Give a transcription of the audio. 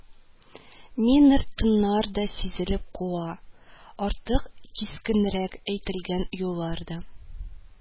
Минор тоннар да сизелеп куя, артык кискенрәк әйтелгән юллар да